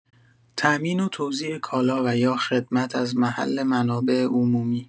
تامین و توزیع کالا و یا خدمت از محل منابع عمومی